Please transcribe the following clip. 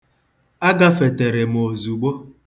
Agafetara m ozugbo.